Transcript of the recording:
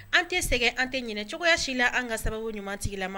An tɛ sɛgɛn an tɛ ɲinin cogoyaya si la an ka sababu ɲumansigi la